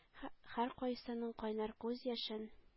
Һәркайсының кайнар күз яшен.